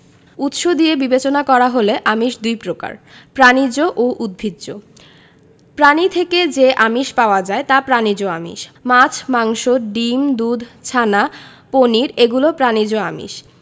উৎস দিয়ে বিবেচনা করা হলে আমিষ দুই প্রকার প্রাণিজ ও উদ্ভিজ্জ প্রাণী থেকে যে আমিষ পাওয়া যায় তা প্রাণিজ আমিষ মাছ মাংস ডিম দুধ ছানা পনির এগুলো প্রাণিজ আমিষ